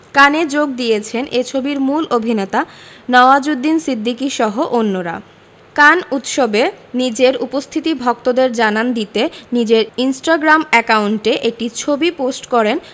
কানে যোগ দিয়েছেন এ ছবির মূল অভিনেতা নওয়াজুদ্দিন সিদ্দিকীসহ অন্যরা কান উৎসবে নিজের উপস্থিতি ভক্তদের জানান দিতে নিজের ইনস্টাগ্রাম অ্যাকাউন্টে একটি ছবি পোস্ট করেন